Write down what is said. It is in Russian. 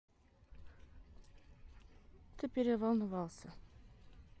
ты переволновался